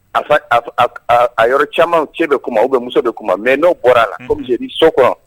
A a yɔrɔ caman cɛ bɛ kuma u bɛ muso bɛ kuma mɛ n'o bɔra la ko so kɔnɔ